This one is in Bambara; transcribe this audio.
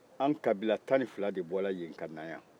an kabila tan ni fila de bɔra yen ka na yan